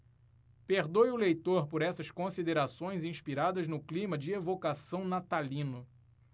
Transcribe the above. perdoe o leitor por essas considerações inspiradas no clima de evocação natalino